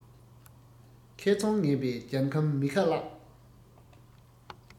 ཁེ ཚོང ངན པས རྒྱལ ཁམས མི ཁ བརླགས